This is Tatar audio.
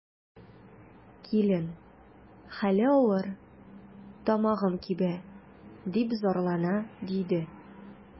Килен: хәле авыр, тамагым кибә, дип зарлана, диде.